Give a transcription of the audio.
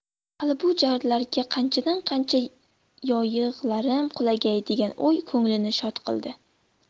hali bu jarlarga qanchadan qancha yog'iylarim qulagay degan o'y ko'nglini shod qildi